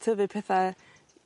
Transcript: tyfu pethe